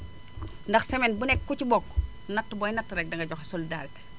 ndax semaine bu nekk ku ci bokk natt booy natt rek danga joxe solidarité